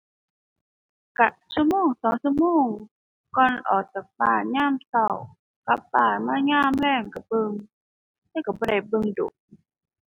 ก็ชั่วโมงสองชั่วโมง ก่อนออกจากบ้านยามก็ กลับบ้านมายามแลงก็เบิ่ง แต่ก็บ่ได้เบิ่งโดน